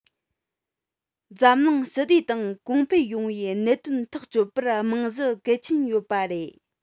འཛམ གླིང ཞི བདེ དང གོང འཕེལ ཡོང བའི གནད དོན ཐག གཅོད པར རྨང གཞི གལ ཆེན ཡོད པ རེད